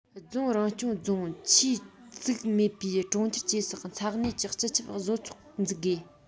རྫོང ཆི རང སྐྱོང རྫོང ཆུས བཙུགས མེད པའི གྲོང ཁྱེར བཅས སུ ས གནས ཀྱི སྤྱི ཁྱབ བཟོ ཚོགས འཛུགས དགོས